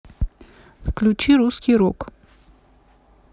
включи русский рок